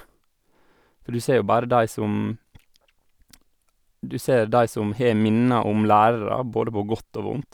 For du ser jo bare de som du ser de som har minner om lærere, både på godt og vondt.